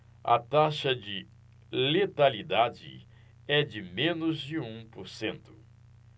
a taxa de letalidade é de menos de um por cento